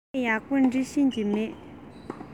ངས ཡག པོ འབྲི ཤེས ཀྱི མེད